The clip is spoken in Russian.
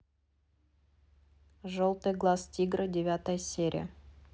желтый глаз тигра девятая серия